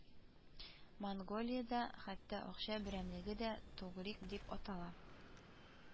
Монголиядә хәтта акча берәмлеге дә тугрик дип атала